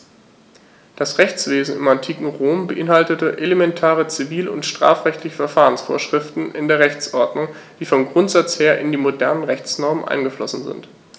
Das Rechtswesen im antiken Rom beinhaltete elementare zivil- und strafrechtliche Verfahrensvorschriften in der Rechtsordnung, die vom Grundsatz her in die modernen Rechtsnormen eingeflossen sind.